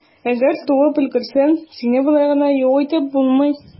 Әгәр туып өлгерсәң, сине болай гына юк итеп булмый.